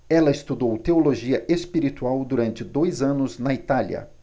ela estudou teologia espiritual durante dois anos na itália